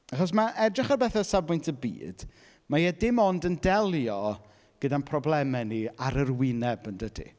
Achos ma' edrych ar bethau o safbwynt y byd mae e dim ond yn delio gyda'n problemau ni ar yr wyneb yn dydy?